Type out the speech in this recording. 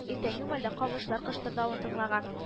Иртәнге мәлдә камышлар кыштырдавын тыңлаган